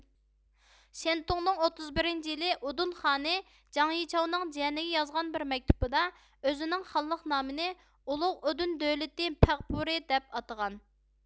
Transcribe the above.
شيەنتۇڭنىڭ ئوتتۇز بىرىنچى يىلى ئۇدۇن خانى جاڭ يىچاۋنىڭ جىيەنىگە يازغان بىر مەكتۇبىدا ئۆزىنىڭ خانلىق نامىنى ئۇلۇغ ئۇدۇن دۆلىتى پەغپۇرى دەپ ئاتىغان